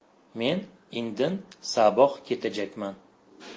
men indin sabox ketajakman